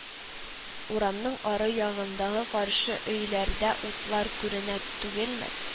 Урамның ары ягындагы каршы өйләрдә утлар күренә түгелме